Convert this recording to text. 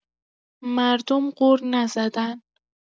مردم غر نزدن.